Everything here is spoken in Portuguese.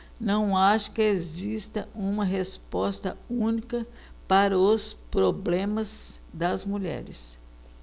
não acho que exista uma resposta única para os problemas das mulheres